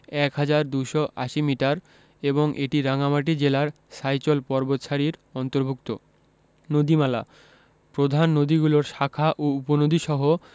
১হাজার ২৮০ মিটার এবং এটি রাঙ্গামাটি জেলার সাইচল পর্বতসারির অন্তর্ভূক্ত নদীমালাঃ প্রধান নদীগুলোর শাখা ও উপনদীসহ